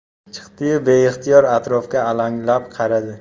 chiqdi yu beixtiyor atrofga alanglab qaradi